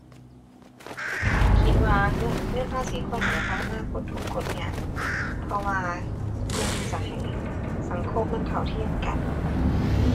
คิดว่า เงอะ เงินภาษีควรเอาไปพัฒนาคนทุกข์คนยาก เพราะว่าเพื่อที่จะให้สังคมมันเท่าเทียมกัน